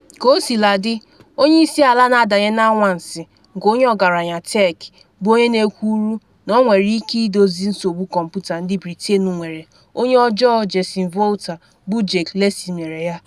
Kosiladị, onye isi ala na-adanye na anwansi nke onye ọgaranya tech, bụ onye nke kwuru na ọ nwere ike idozi nsogbu kọmputa ndị Britain nwere: onye ọjọọ Jason Volta bụ Jake Lacy mere ya.